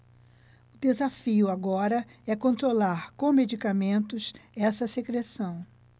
o desafio agora é controlar com medicamentos essa secreção